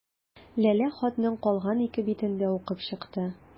Ләлә хатның калган ике битен дә укып чыкты.